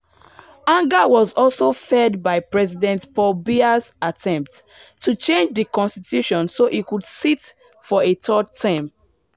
Anger was also fed by President Paul Biya's attempt to change the constitution so he could sit for a third term.